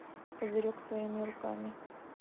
козырек своими руками